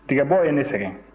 tigabɔ ye ne sɛgɛn